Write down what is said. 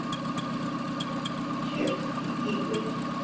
черский игорь